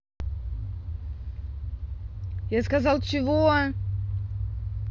я сказал чего